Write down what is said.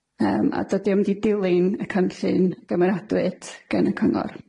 Yym, a dydi o'm 'di dilyn y cynllun gymeradwyd gan y cyngor.